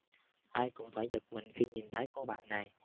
ai cũng phải giật mình khi nhìn thấy cô bạn này